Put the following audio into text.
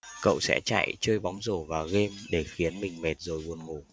cậu sẽ chạy chơi bóng rổ và game để khiến mình mệt rồi buồn ngủ